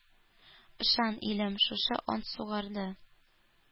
Ышан, илем, шушы ант сугарды